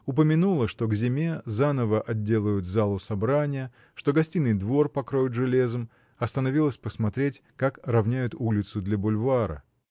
Упомянула, что к зиме заново отделают залу собрания, что гостиный двор покроют железом, остановилась посмотреть, как ровняют улицу для бульвара.